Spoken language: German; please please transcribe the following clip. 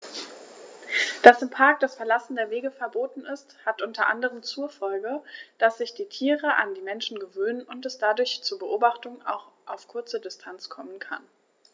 Dass im Park das Verlassen der Wege verboten ist, hat unter anderem zur Folge, dass sich die Tiere an die Menschen gewöhnen und es dadurch zu Beobachtungen auch auf kurze Distanz kommen kann.